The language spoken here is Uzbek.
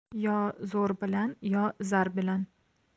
yo zo'r bilan yo zar bilan